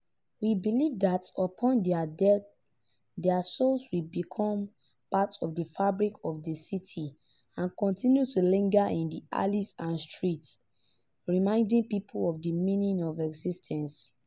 We believe that upon their death, their souls will become part of the fabric of the city and continue to linger in the alleys and streets, reminding people of the meaning of existence.